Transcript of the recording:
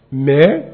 Mais